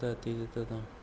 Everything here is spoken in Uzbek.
da dedi dadam